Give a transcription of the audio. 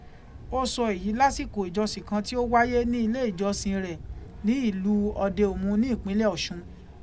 Ó sọ èyí lásìkò ìjọsin kan tó wáyé ní ilé ìjọsìn rẹ ní ìlú ọdẹ Òmu ní ìpínlẹ̀ Ọ̀ṣun.